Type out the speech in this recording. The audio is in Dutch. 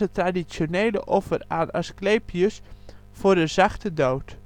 traditionele offer aan Asclepius voor een zachte dood